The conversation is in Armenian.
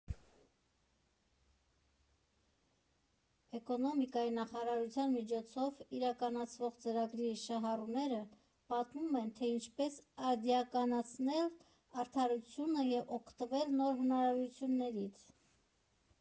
Էկոնոմիկայի նախարարության միջոցով իրականացվող ծրագրի շահառուները պատմում են, թե ինչպես արդիականացնել արտադրությունը և օգտվել նոր հնարավորություններից։